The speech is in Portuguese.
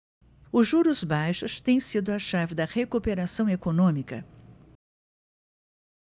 os juros baixos têm sido a chave da recuperação econômica